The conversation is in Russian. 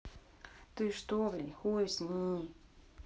ты что блядь хуев смени